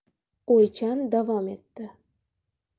o'ychan davom etdi